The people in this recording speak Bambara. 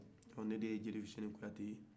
ne de ye jeli fuseni kuyate ye